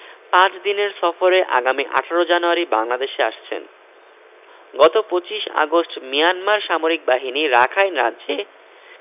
পাঁচ দিনের সফরে আগামী ১৮ জানুয়ারি বাংলাদেশে আসছেন গত ২৫ আগস্ট মিয়ানমার সামরিক বাহিনী রাখাইন রাজ্যে